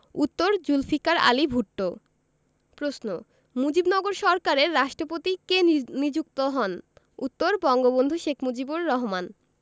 উত্তরঃ জুলফিকার আলী ভুট্ট প্রশ্ন মুজিবনগর সরকারের রাষ্ট্রপতি কে নিযুক্ত হন উত্তর বঙ্গবন্ধু শেখ মুজিবুর রহমান